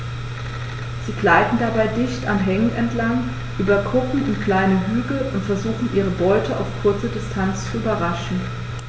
Sie gleiten dabei dicht an Hängen entlang, über Kuppen und kleine Hügel und versuchen ihre Beute auf kurze Distanz zu überraschen.